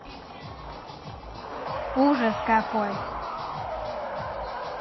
ужас какой